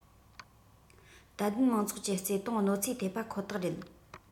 དད ལྡན མང ཚོགས ཀྱི བརྩེ དུང གནོད འཚེ ཐེབས པ ཁོ ཐག རེད